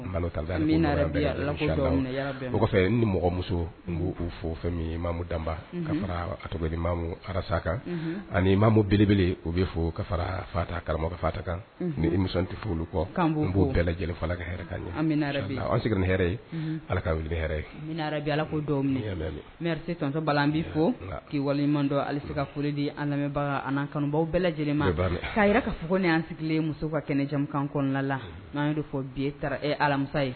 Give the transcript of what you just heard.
Kɔfɛ ni mɔgɔ muso fɛnmu danba ka fara aratomu arasa kan ani mamu belebele u bɛ fɔ ka fara fata karamɔgɔma kafata kan ni mi tɛ olu kɔ' bo bɛɛ lajɛlenfa kaɛɛrɛ ɲɛse nin hɛrɛ ala ka wulibi ala kosɔ bɛ fo k' wale ɲumandɔ halise ka foli di lamɛnbaga kanubaw bɛɛ lajɛlen ma yɛrɛ ka fɔ ni an sigilen muso ka kɛnɛjakan kɔnɔnala n'an fɔ bi e taara alamisa ye